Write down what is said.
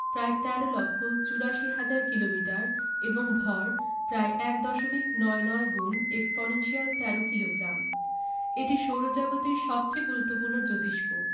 প্রায় ১৩ লক্ষ ৮৪ হাজার কিলোমিটার এবং ভর প্রায় এক দশমিক নয় নয় গুন এক্সপনেনশিয়াল ১৩ কিলোগ্রাম এটি সৌরজগতের সবচেয়ে গুরুত্বপূর্ণ জোতিষ্ক